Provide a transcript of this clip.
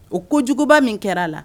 O ko kojuguba min kɛra a la